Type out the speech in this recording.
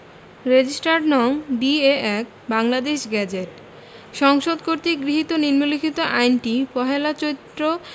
registered নং D A ১ Bangladesh gazette সংসদ কর্তৃক গৃহীত নিম্নলিখিত আইনটি ১লা চৈত্র